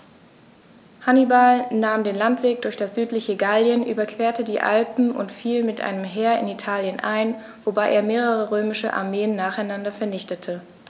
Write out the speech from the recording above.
Hannibal nahm den Landweg durch das südliche Gallien, überquerte die Alpen und fiel mit einem Heer in Italien ein, wobei er mehrere römische Armeen nacheinander vernichtete.